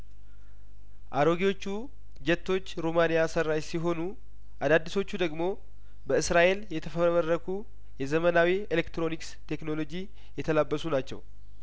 አሮጌዎቹ ጀቶች ሩማኒያ ሰራሽ ሲሆኑ አዳዲሶቹ ደግሞ በእስራኤል የተፈበረኩ የዘመናዊ ኤሌክትሮኒክ ስቴክኖሎጂ የተላበሱ ናቸው